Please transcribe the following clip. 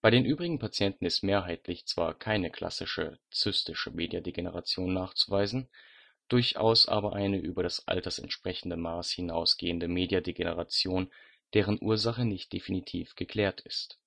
den übrigen Patienten ist mehrheitlich zwar keine klassische zystische Mediadegeneration nachzuweisen, durchaus aber eine über das altersentsprechende Maß hinausgehende Mediadegeneration, deren Ursache nicht definitiv geklärt ist